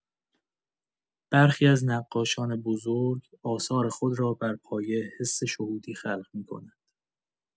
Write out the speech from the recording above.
برخی از نقاشان بزرگ آثار خود را بر پایه حس شهودی خلق می‌کنند.